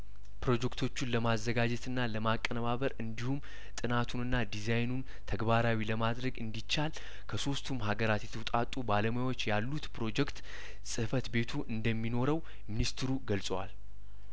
ፕሮጀክቶቹን ለማዘጋጀትና ለማቀነባበር እንዲሁም ጥናቱንና ዲዛይኑን ተግባራዊ ለማድረግ እንዲቻል ከሶስቱም ሀገራት የተወጣጡ ባለሙያዎች ያሉት የፕሮጀክት ጽፈት ቤቱ እንደሚኖርው ሚኒስትሩ ገልጸዋል